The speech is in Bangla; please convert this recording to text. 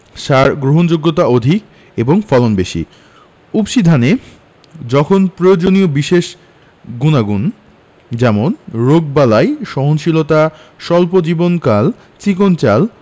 সার গ্রহণক্ষমতা অধিক এবং ফলন বেশি উফশী ধানে যখন প্রয়োজনীয় বিশেষ গুনাগুণ যেমন রোগবালাই সহনশীলতা স্বল্প জীবনকাল চিকন চাল